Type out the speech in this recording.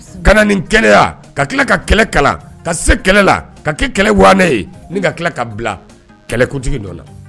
Ka na nin kɛnɛya ka kila ka kɛlɛ kalan ka se kɛlɛ la ka kɛ kɛlɛ wanɛ ye ni ka kila ka bila kɛlɛkuntigi nɔn la